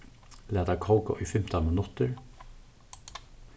lat tað kóka í fimtan minuttir